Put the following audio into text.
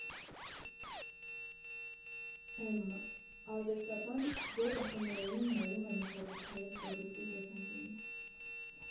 Էմմա ֊ արվեստաբան, որը ԽՄԷ֊ին նայում է մշակութային պրոդուկտի տեսանկյունից։